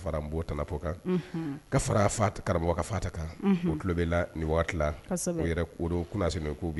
kan o kulo bɛ in na ni waati la